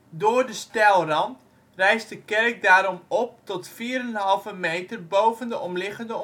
Door de steilrand rijst de kerk daarom op tot 4,5 meter boven de omliggende